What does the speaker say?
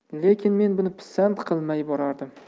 lekin men buni pisand qilmay borardim